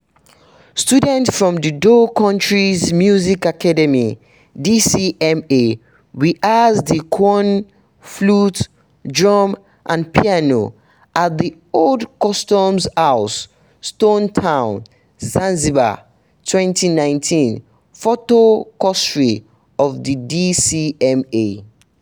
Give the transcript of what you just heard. Students from the Dhow Countries Music Academy (DCMA) rehearse the qanun, flute, drum and piano at the Old Customs House, Stone Town, Zanzibar, 2019. Photo courtesy of the DCMA.